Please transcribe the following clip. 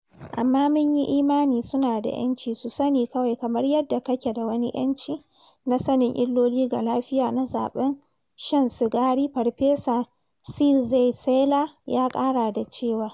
Amma mun yi imani suna da ‘yanci su sani - kawai kamar yadda kake da wani ‘yanci na sanin illoli ga lafiya na zaɓan shan sigari,’ Farfesa Czeisler ya ƙara da cewa.